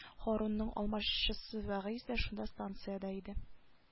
Һарунның алмашчысы вәгыйзь дә шунда станциядә иде